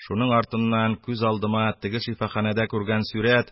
Шуның артыннан күз алдыма теге шифаханәдә күргән сурәт